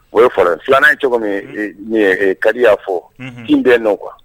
O ye fɔlɔ ye filanan ye cogo min kadi y'a fɔ